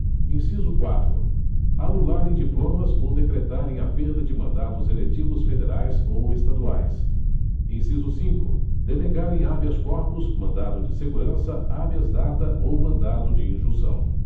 inciso quatro anularem diplomas ou decretarem a perda de mandatos eletivos federais ou estaduais inciso cinco denegarem habeas corpus mandado de segurança habeas data ou mandado de injunção